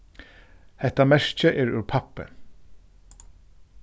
hetta merkið er úr pappi